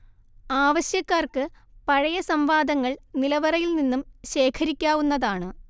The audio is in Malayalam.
ആവശ്യക്കാർക്ക് പഴയ സംവാദങ്ങൾ നിലവറയിൽ നിന്നും ശേഖരിക്കാവുന്നതാണ്